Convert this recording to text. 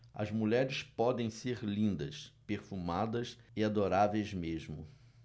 as mulheres podem ser lindas perfumadas e adoráveis mesmo